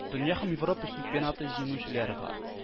Дөнья һәм европа чемпионаты җиңүчеләре бар